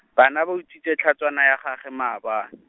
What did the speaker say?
bana ba utswitse tlhatswana ya gagwe maaban-.